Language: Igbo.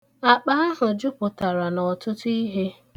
Akpa ahụ jupụtara n'ọtụtụ ihe.